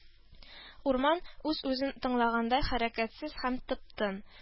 Урман, үз-үзен тыңлагандай, хәрәкәтсез һәм тып-тын